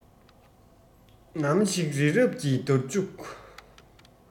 ནམ ཞིག རི རབ ཀྱི འདར ལྕུག